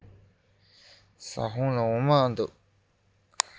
ཟ ཁང ལ འོ མ འདུག གས